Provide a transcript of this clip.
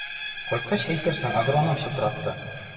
Кайткач әйтерсең, агроном чылтыратты.